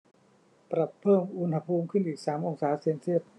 ปรับเพิ่มอุณหภูมิขึ้นอีกสามองศาเซลเซียส